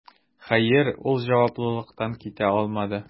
Хәер, ул җаваплылыктан китә алмады: